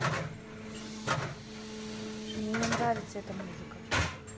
мне не нравится эта музыка